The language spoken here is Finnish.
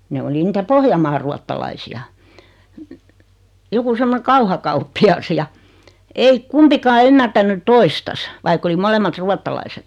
ne oli niitä Pohjanmaan ruotsalaisia joku semmoinen kauhakauppias ja ei kumpikaan ymmärtänyt toistansa vaikka oli molemmat ruotsalaiset